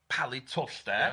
palu twll 'de. Ia.